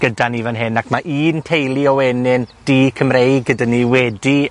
gyda ni fyn hyn, ac ma' un teulu o wenyn Du Cymreig gyda ni wedi